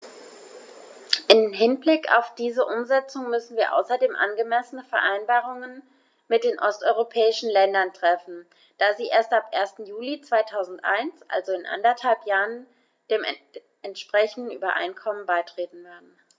Im Hinblick auf diese Umsetzung müssen wir außerdem angemessene Vereinbarungen mit den osteuropäischen Ländern treffen, da sie erst ab 1. Juli 2001, also in anderthalb Jahren, den entsprechenden Übereinkommen beitreten werden.